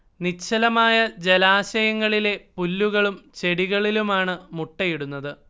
നിശ്ചലമായ ജലാശയങ്ങളിലെ പുല്ലുകളിലും ചെടികളിലുമാണ് മുട്ട ഇടുന്നത്